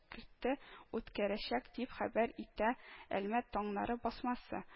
Керте үткәрәчәк, дип хәбәр итә “әлмәт таңнары” басмасы